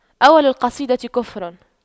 أول القصيدة كفر